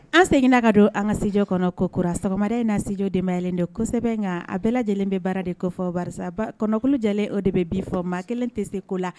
An seginna ka don an ka studi kɔnɔ kokuraras sɔgɔma wɛrɛren in na studio debayalen don kosɛbɛ in kan a bɛɛ lajɛlen bɛ baara de ko fɔ parba kɔnɔkolojɛ o de bɛ bi fɔ maa kelen tɛ se ko la